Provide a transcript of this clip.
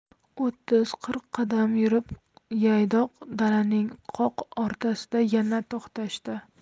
o'ttiz qirq qadam yurib yaydoq dalaning qoq o'rtasida yana to'xtashdi